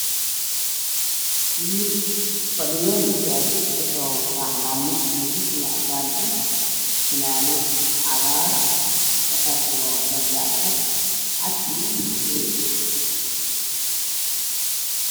Nin fadhiyo masaajid waxuu wataa cimaamad gaduud iyo cadaan ah, jaakad cadaan iyo buluug ah.